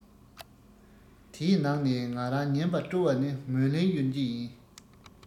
དེའི ནང ནས ང རང ཉན པ སྤྲོ བ ནི མོན གླིང གཡུལ འགྱེད ཡིན